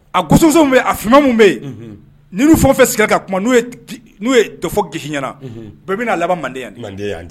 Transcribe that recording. A gɔsɔsɔ min bɛ yen, a fiman min bɛ yen; unhun; n'i n'u fɛn fɛn sigira ka kuma, n'o ye dɔfɔ gosi i ɲɛna, bɛɛ bɛna laban mande yan; mande han.